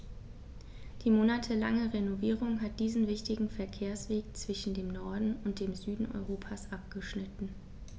Die monatelange Renovierung hat diesen wichtigen Verkehrsweg zwischen dem Norden und dem Süden Europas abgeschnitten.